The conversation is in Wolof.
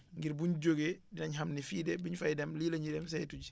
ngir buñ jógee dinañ xam ne fii de bi ñu fay dem lii la ñuy dem saytu ji